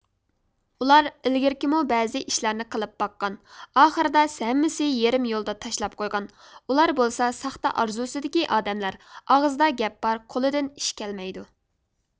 ئۇلار ئىلگىرىمۇ بەزى ئىشلارنى قىلىپ باققان ئاخىرىدا ھەممىسى يېرىم يولدا تاشلاپ قويغان ئۇلار بولسا ساختا ئارزۇسىدىكى ئادەملەر ئاغزىدا گەپ بار قولىدىن ئىش كەلمەيدۇ